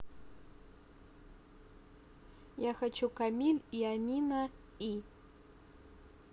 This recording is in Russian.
я хочу камиль и амина и